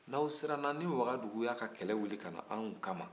n'aw siranna ni wagadugu y'a ka kɛlɛwuli kana anw kama